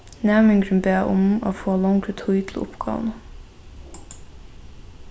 næmingurin bað um at fáa longri tíð til uppgávuna